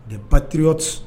De ba teriyti